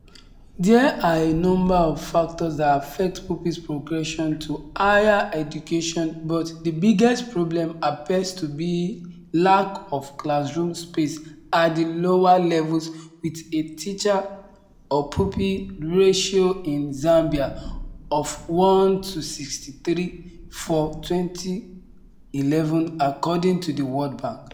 There are a number of factors that affects pupil progression to higher education but the biggest problem appears to be lack of classroom space at the lower levels with a teacher/pupil ratio in Zambia of 1 to 63 for 2011 according to the World Bank.